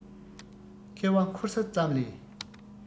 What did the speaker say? ཁེ བ འཁོར ས ཙམ ལས